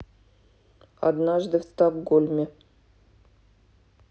однажды в стокгольме